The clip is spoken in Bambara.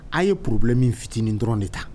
A' ye porobi min fitinin dɔrɔn de ta